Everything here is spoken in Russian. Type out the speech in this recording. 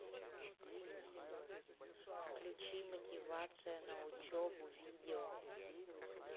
включи мотивация на учебу видео